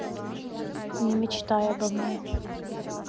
не мечтай обо мне